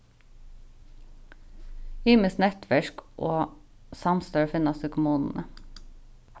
ymisk netverk og samstørv finnast í kommununi